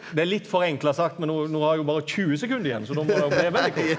det er litt forenkla sagt men no no har jo berre 20 sekunder igjen så då må det bli veldig kort.